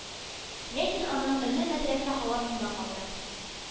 Ләкин аның өне мәдрәсә һавасында калды.